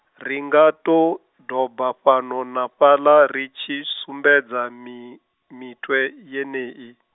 ri nga to, doba fhano na fhaḽa ri tshi sumbedza mi, mitwe yeneyi.